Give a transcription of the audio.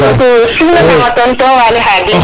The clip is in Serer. merci beaucoup simna nam a tonton waly Khadim